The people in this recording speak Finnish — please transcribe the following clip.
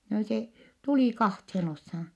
no se tuli kahteen osaan